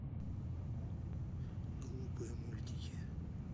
глупые мультики